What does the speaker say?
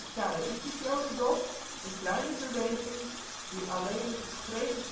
Karaïtisch jodendom – Een kleine beweging die alleen de geschreven